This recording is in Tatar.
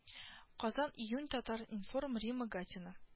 Казан июнь татар-информ римма гатина